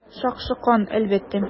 Шакшы кан, әлбәттә.